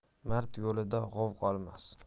mard yo'lida g'ov qolmas